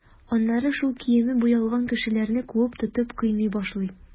Аннары шул киеме буялган кешеләрне куып тотып, кыйный башлый.